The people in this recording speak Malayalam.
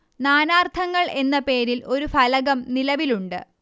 നാനാർത്ഥങ്ങൾ എന്ന പേരിൽ ഒരു ഫലകം നിലവിലുണ്ട്